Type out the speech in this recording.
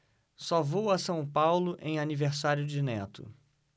só vou a são paulo em aniversário de neto